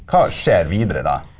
hva skjer videre da?